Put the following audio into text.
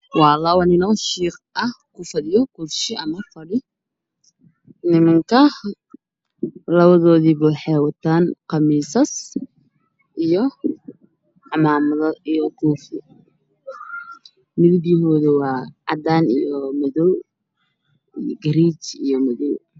Waa laba nin oo shiikh ah ku fadhiyo kursi ama fadhi niminka labadoodiba waxey wataan qamiisas iyo camaamdo iyo koofi Minbigoda waa cadaan iyo madoow Gareed iyo madow